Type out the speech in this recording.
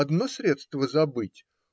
одно средство забыть